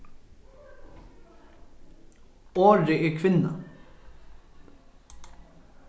orðið er kvinna